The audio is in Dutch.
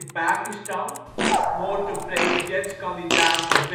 Pakistan (moord op presidentskandidate